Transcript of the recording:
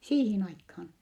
siihen aikaan